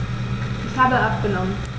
Ich habe abgenommen.